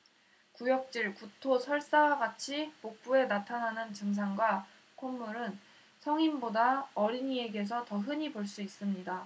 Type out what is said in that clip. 구역질 구토 설사와 같이 복부에서 나타나는 증상과 콧물은 성인보다 어린이에게서 더 흔히 볼 수 있습니다